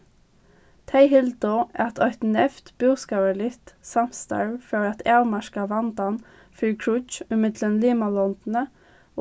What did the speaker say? tey hildu at eitt neyvt búskaparligt samstarv fór at avmarka vandan fyri kríggj ímillum limalondini